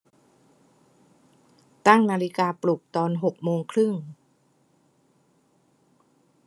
ตั้งนาฬิกาปลุกตอนหกโมงครึ่ง